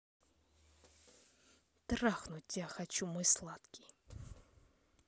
трахнуть тебя хочу мой сладкий